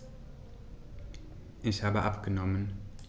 Ich habe abgenommen.